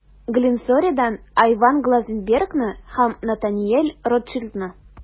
Glencore'дан Айван Глазенбергны һәм Натаниэль Ротшильдны.